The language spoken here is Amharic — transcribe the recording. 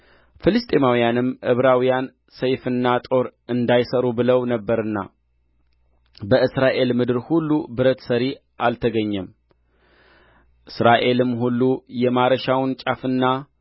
ፍልስጥኤማውያንም ዕብራውያን ሰይፍና ጦር እንዳይሠሩ ብለው ነበርና በእስራኤል ምድር ሁሉ ብረተ ሠሪ አልተገኘም እስራኤልም ሁሉ የማረሻውን ጫፍና